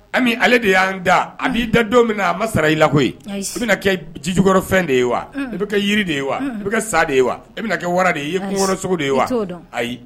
Ami ale de y'an da ani b'i da don min na a ma sara i lakɔye i bɛ kɛ ji jukɔrɔ de ye wa i bɛ kɛ jiri de ye wa i bɛ kɛ sa de ye wa i bɛna kɛ wara de yemkɔrɔso de ye wa ayi